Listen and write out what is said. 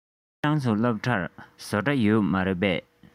ཁྱོད རང ཚོའི སློབ གྲྭར བཟོ གྲྭ ཡོད རེད པས